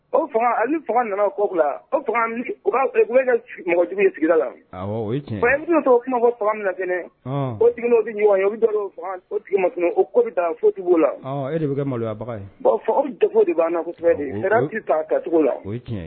O faga ani faga nana ko bila o mɔgɔ jugu sigira la'a fɔ kuma faga min kɛnɛ ko tigi bɛ ɲɔgɔn ye o bɛ tigi ma ko bɛ taa fotigiw la malo faga bɛ jago de' taa kacogo la